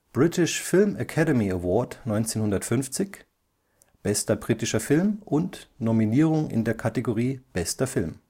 British Film Academy Award 1950 Bester britischer Film Nominierung in der Kategorie Bester Film